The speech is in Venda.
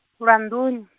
lwa ndun-.